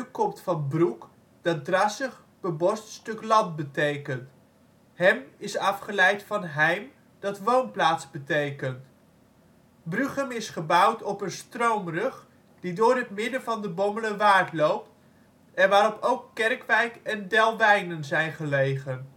komt van broek, dat drassig bebost stuk land betekent. Hem is afgeleid van heim, dat woonplaats betekent. Bruchem is gebouwd op een stroomrug die door het midden van de Bommelerwaard loopt en waarop ook Kerkwijk en Delwijnen zijn gelegen